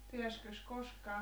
pääsikös koskaan